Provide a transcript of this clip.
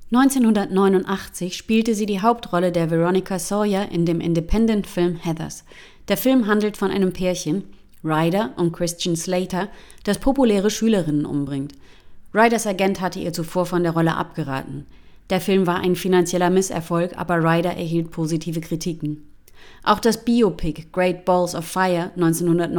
1989 spielte sie die Hauptrolle der Veronica Sawyer in dem Independentfilm Heathers. Der Film handelt von einem Pärchen (Ryder und Christian Slater), das populäre Schülerinnen umbringt. Ryders Agent hatte ihr zuvor von der Rolle abgeraten. Der Film war ein finanzieller Misserfolg, aber Ryder erhielt positive Kritiken. Auch das Biopic Great Balls of Fire! (1989